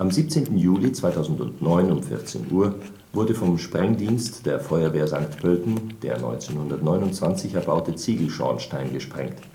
17. Juli 2009 um 14:00 Uhr wurde vom Sprengdienst der Feuerwehr St. Pölten der 1929 erbaute Ziegelschornstein gesprengt